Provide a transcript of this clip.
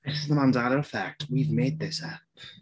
This is the Mandela effect. We've made this up.